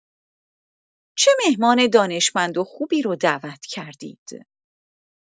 چه مهمان دانشمند و خوبی رو دعوت کردید.